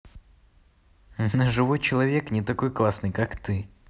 ножевой человек не такой классный как ты